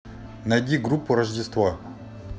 найди группу рождество